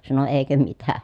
sanoi eikö mitä